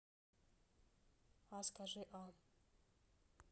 а скажи а